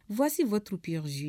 Voici votre purgie